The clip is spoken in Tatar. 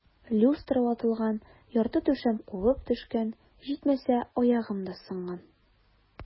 Люстра ватылган, ярты түшәм кубып төшкән, җитмәсә, аягым да сынган.